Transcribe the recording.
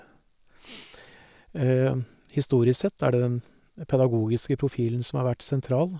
Historisk sett er det den pedagogiske profilen som har vært sentral.